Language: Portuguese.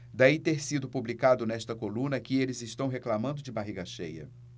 daí ter sido publicado nesta coluna que eles reclamando de barriga cheia